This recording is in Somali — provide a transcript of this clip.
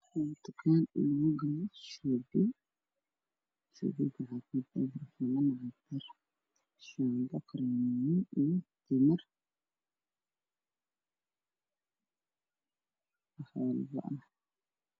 Waa subarmaarket waxaa ii muuqdo caadado midabkoodii ay caddaan kulug timir midabkooda madow tahay oo is dursan saaran